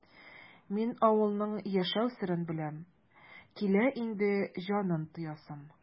Мин авылның яшәү серен беләм, килә инде җанын тоясым!